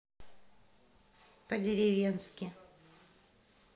по деревенски